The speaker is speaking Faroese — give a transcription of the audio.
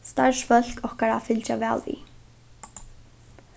starvsfólk okkara fylgja væl við